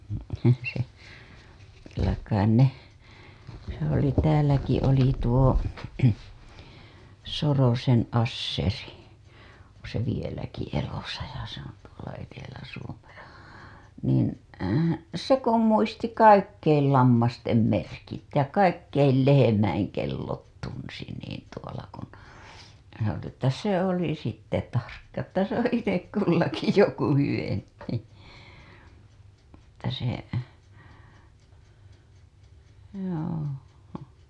se kyllä kai ne se oli täälläkin oli tuo Sorosen Asseri on se vieläkin elossa ja se on tuolla Etelä-Suomessa niin se kun muisti kaikkien lammasten merkit ja kaikkien lehmien kellot tunsi niin tuolla kun se oli että se oli sitten tarkka että se on itse kullakin joku hyvempi että se joo